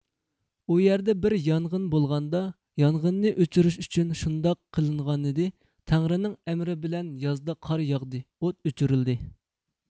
ئۇ يەردە بىر يانغېن بولغاندا يانغېننى ئۆچۈرۈش ئۈچۈن شۇنداق قىلىنغانىدى تەڭرىنىڭ ئەمرى بىلەن يازدا قار ياغدى ئوت ئۆچۈرۈلدى